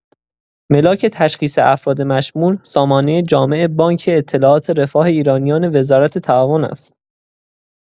ملاک تشخیص افراد مشمول، سامانه جامع بانک اطلاعات رفاه ایرانیان وزارت تعاون است.